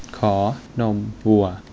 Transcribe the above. ขอนมวัว